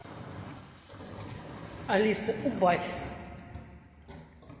алиса убавь